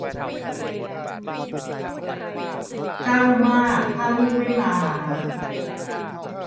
เศร้ามากถ้าลูกไม่มาหา